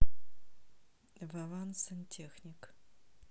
вован сантехник